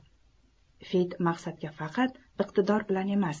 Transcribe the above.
fid maqsadga faqat iqtidor bilan emas